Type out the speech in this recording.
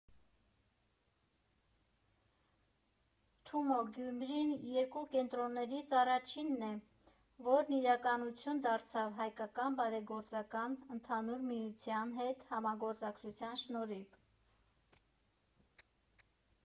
Թումո Գյումրին երկու կենտրոններից առաջինն է, որն իրականություն դարձավ Հայկական բարեգործական ընդհանուր միության հետ համագործակցության շնորհիվ։